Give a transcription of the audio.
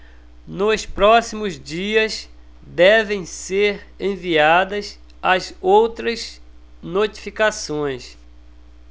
nos próximos dias devem ser enviadas as outras notificações